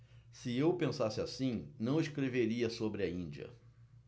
se eu pensasse assim não escreveria sobre a índia